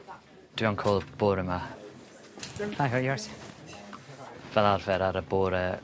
Dwi on call bore 'ma. Hi how you allright? Fel arfer ar y bore